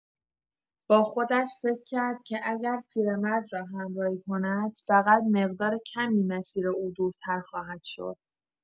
با خودش فکر کرد که اگر پیرمرد را همراهی کند، فقط مقدار کمی مسیر او دورتر خواهد شد.